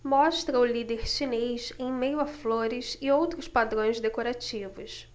mostra o líder chinês em meio a flores e outros padrões decorativos